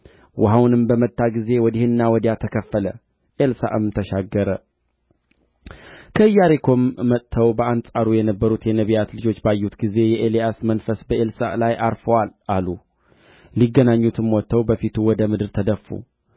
ከኤልያስም የወደቀውን መጐናጸፊያ አነሣ ተመልሶም በዮርዳኖስ ዳር ቆመ ከኤልያስም የወደቀውን መጎናጸፊያ ወስዶ ውኃውን መታና የኤልያስ አምላክ እግዚአብሔር ወዴት ነው አለ